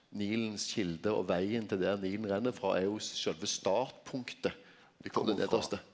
Nilens kjelde og vegen til der Nilen renn frå er jo sjølve startpunktet .